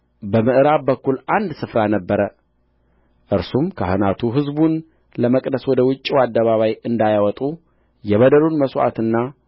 በምዕራብ በኩል አንድ ስፍራ ነበረ እርሱም ካህናቱ ሕዝቡን ለመቀደስ ወደ ውጭው አደባባይ እንዳያወጡ የበደሉን መሥዋዕትና